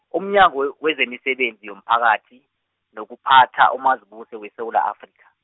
umnyango we- wemisebenzi yomphakathi, nokuphatha uMazibuse weSewula Afrika.